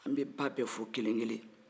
an bɛ ba bɛɛ fo kelen keklen